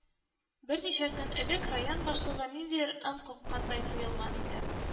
Берничә көн элек район башлыгы ниндидер ым каккандай тоелган иде